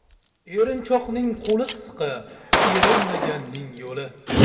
erinchoqning qo'li qisqa erinmaganning yo'li